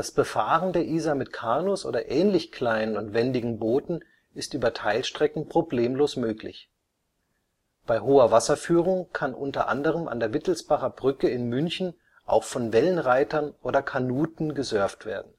Befahren der Isar mit Kanus oder ähnlich kleinen und wendigen Booten ist über Teilstrecken problemlos möglich. Bei hoher Wasserführung kann unter anderem an der Wittelsbacher Brücke in München auch von Wellenreitern oder Kanuten gesurft werden